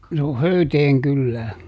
se on Höyteen kylää